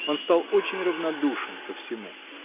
Он стал очень равнодушен ко всему.